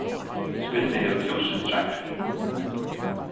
spinnið hevur túsund træðrir